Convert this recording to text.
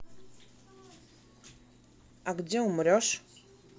а где умрешь